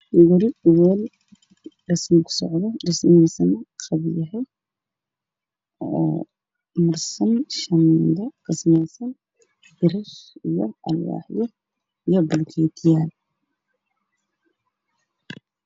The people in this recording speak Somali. Waa guri oo wasaq ah darbigiis yahay wasaaq muraayad ayaa ku dhagan miiska saq ayaa saa